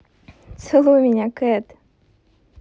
целуй меня кэт